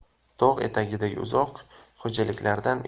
tog' etagidagi uzoq xo'jaliklardan